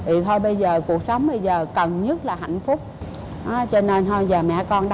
thì thôi bây giờ cuộc sống bây giờ cần nhất là hạnh phúc ớ cho nên hoi giờ mẹ con đóng